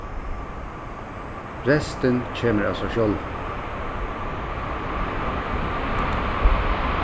restin kemur av sær sjálvum